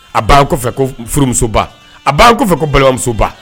A b'a kɔfɛ ko furumusoba a b'a kɔfɛ ko balimamusoba